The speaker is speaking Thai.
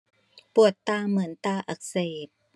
ปวดตาเหมือนตาอักเสบ